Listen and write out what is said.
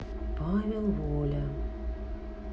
павел воля